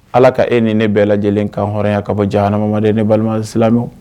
Ala ka e ni ne bɛɛ lajɛlen kan hɔrɔnya ka bɔ jahanama ma dɛ ne balima silamɛ